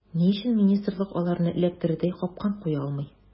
Ни өчен министрлык аларны эләктерердәй “капкан” куя алмый.